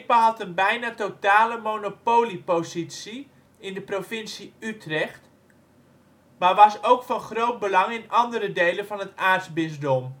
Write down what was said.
had een bijna totale monopoliepositie in de provincie Utrecht maar was ook van groot belang in andere delen van het aartsbisdom